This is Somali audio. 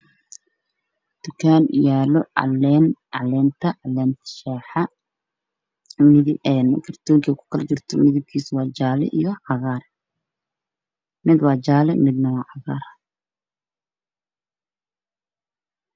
Dukaan yaala caleen caleenta waa mida shaax gartoonka ku kala jirta midna waa cadan midna wacadaan